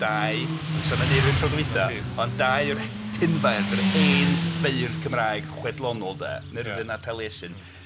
Dau... O'n ni'n sôn am Aneirin tro dwytha ond dau o'r cynfeirdd, yr hen feirdd Cymraeg chwedlonol 'de, Myrddin a Taliesin.